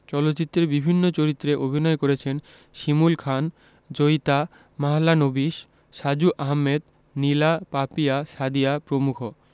চলচ্চিত্রের বিভিন্ন চরিত্রে অভিনয় করেছেন শিমুল খান জয়িতা মাহলানোবিশ সাজু আহমেদ নীলা পাপিয়া সাদিয়া প্রমুখ